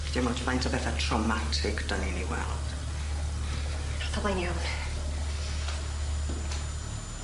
Dim ots faint o bethe traumatic 'dan ni'n 'u weld. Byddai'n iawn.